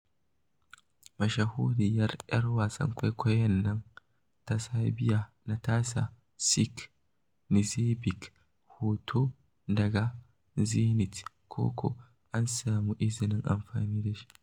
Mashahuriyar 'yar wasan kwaikwayon nan ta Serbia Natasa Tsic Knezeɓic, hoto daga Dzenet Koko, an samu izinin amfani da shi.